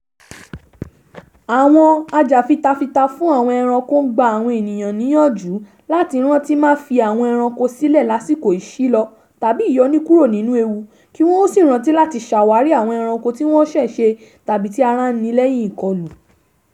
Àwọn ajàfitafita fún àwọn ẹranko ń gba àwọn ènìyàn níyànjú láti rántí má fi àwọn ẹranko sílẹ̀ lásìkò ìṣílọ tàbí ìyọnikúrò nínú ewu kí wọn ó sì rántí láti ṣàwárí àwọn ẹranko tí wọ́n ṣèṣe tàbí tí ara ń ni lẹ́yìn ìkọlù.